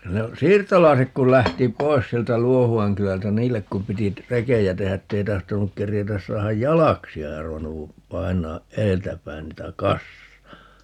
no siirtolaiset kun lähti pois sieltä Luohuan kylältä niille kun piti - rekiä tehdä että ei tahtonut keritä saada jalaksia ei arvannut painaa edeltä päin niitä kassaan